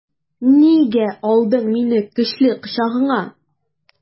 Нигә алдың мине көчле кочагыңа?